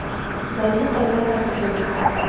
Данлы Казан арты теле.